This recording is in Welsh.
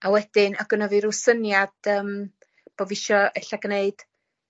a wedyn odd gynna fi ryw syniad yym bo fi isio ella gneud